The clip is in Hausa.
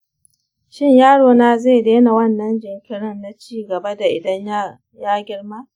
shin yarona zai daina wannan jinkirin na ci gaba idan ya girma?